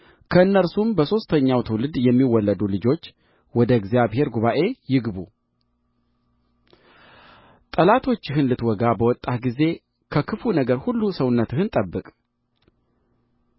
ከእነርሱም በሦስተኛው ትውልድ የሚወለዱ ልጆች ወደ እግዚአብሔር ጉባኤ ይግቡ ጠላቶችህን ልትወጋ በወጣህ ጊዜ ከክፉ ነገር ሁሉ ሰውነትህን ጠብቅ